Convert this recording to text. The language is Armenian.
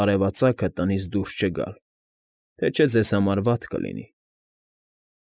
Արևածագը տնից դուրս չգալ, թե չէ ձեզ համար վատ կլինի։